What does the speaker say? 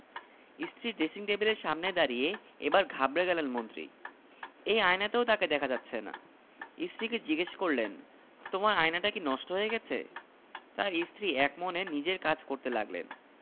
স্ত্রীর ড্রেসিং টেবিলের সামনে দাঁড়িয়ে এবার ঘাবড়ে গেলেন মন্ত্রী এই আয়নাতেও তাঁকে দেখা যাচ্ছে না স্ত্রীকে জিজ্ঞেস করলেন তোমার আয়নাটা কি নষ্ট হয়ে গেছে তাঁর স্ত্রী একমনে নিজের কাজ করতে লাগলেন